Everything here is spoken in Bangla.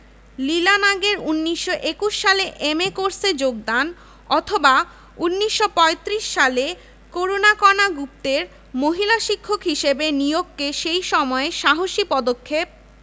লীলা নাগের ১৯২১ সালে এম.এ কোর্সে যোগদান অথবা ১৯৩৫ সালে করুণাকণা গুপ্তের মহিলা শিক্ষক হিসেবে নিয়োগকে সেই সময়ে সাহসী পদক্ষেপ